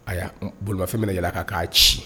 Ayiwa bolofɛn minɛ yɛlɛ k ka'a ci